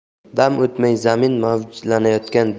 dam o'tmay zamin mavjlanayotgan